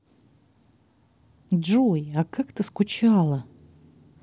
джой а как ты скучала